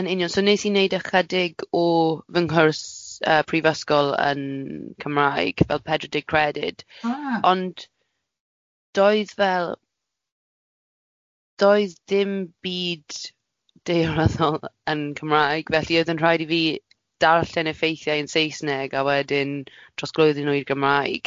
Yn union, so wnes i wneud ychydig o fy nghwrs yy prifysgol yn Cymraeg fel pedwar deg credyd. Ah.Ond doedd fel, doedd dim byd daearyddol yn Cymraeg, felly oedd yn rhaid i fi darllen effeithiau yn Saesneg, a wedyn trosglwyddo nhw i'r Gymraeg.